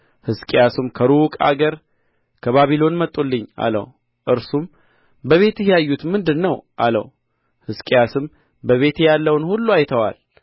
ሕዝቅያስም ከሩቅ አገር ከባቢሎን መጡልኝ አለው እርሱም በቤትህ ያዩት ምንድር ነው አለው ሕዝቅያስም በቤቴ ያለውን ሁሉ አይተዋል